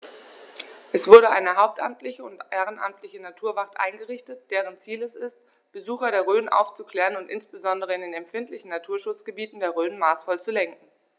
Es wurde eine hauptamtliche und ehrenamtliche Naturwacht eingerichtet, deren Ziel es ist, Besucher der Rhön aufzuklären und insbesondere in den empfindlichen Naturschutzgebieten der Rhön maßvoll zu lenken.